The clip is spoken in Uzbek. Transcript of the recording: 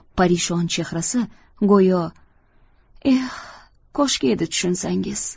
parishon chehrasi go'yo eh koshki edi tushunsangiz